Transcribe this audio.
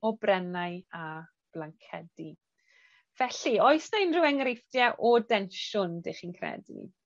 o brennau a blancedi. Felly oes 'na unryw enghreifftie o densiwn 'dych chi'n credu?